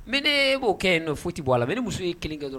Mɛ ne b'o kɛ yen nɔ foyiti bɔ a la mɛ ni muso ye kelen kɛ dɔrɔn